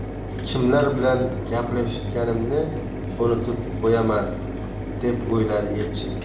kimlar bilan gaplashayotganimni unutib qo'yaman deb o'yladi elchin